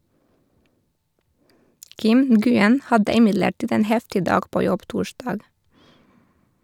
Kim Nguyen hadde imidlertid en heftig dag på jobb torsdag.